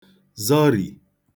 zọrì